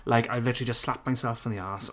Like I've literally just slapped myself in the ass.